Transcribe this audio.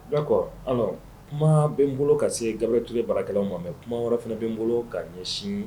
D'accord alors kuma bɛ n bolo ka se Gabriel Touré baarakɛlaw ma mais kuma wɛrɛ fana bɛ n bolo ka ɲɛsi.